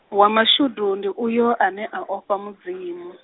wa mashudu ndi uyo ane a o fha Mudzimu.